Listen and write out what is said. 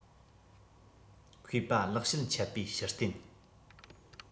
མཁས པ ལེགས བཤད འཆད པའི ཞུ རྟེན